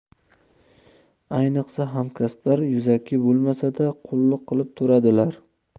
ayniqsa hamkasblar yuzaki bo'lsa da qulluq qilib turadilar